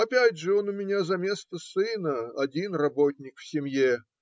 Опять же он у меня заместо сына, один работник в семье.